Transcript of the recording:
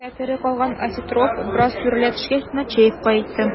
Хәтере калган Осетров, бераз сүрелә төшкәч, Нечаевка әйтте: